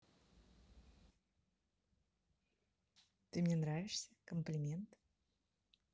ты мне нравишься комплимент